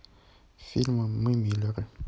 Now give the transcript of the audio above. фильм мы миллеры